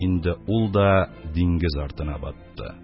Инде ул да диңгез артына батты.